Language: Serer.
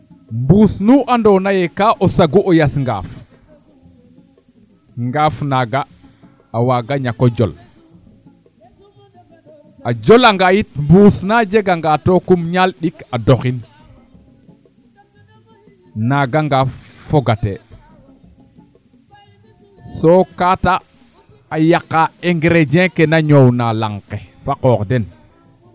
mbuus nu ando naye kaa o sagu o yas ngaaf ŋaaf naaga a waaga ñako jola jola nga yit mbuus na jega ngaa tookum ñaal ndik a doxin naaga ŋaaf foga te soo kaate a yaqa ingredient ke na yaqa laŋ ke fa qoox den